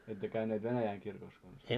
ette käyneet venäjänkirkossa konsaan?